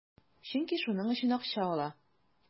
Чөнки шуның өчен акча ала.